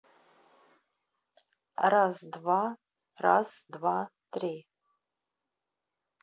раз два раз два три